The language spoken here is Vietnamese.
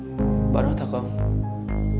ba nói thật không